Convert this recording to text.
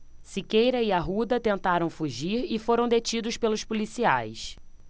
siqueira e arruda tentaram fugir e foram detidos pelos policiais